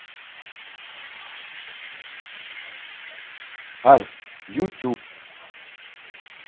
альф ютуб